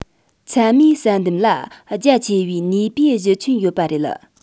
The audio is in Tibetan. མཚན མས བསལ འདེམས ལ རྒྱ ཆེ བའི ནུས པའི གཞི ཁྱོན ཡོད པ རེད